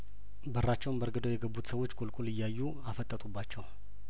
በራቸውን በርግ ደው የገቡት ሰዎች ቁልቁል እያዩ አፈጠጡባቸው